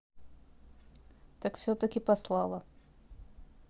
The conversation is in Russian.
так все таки послала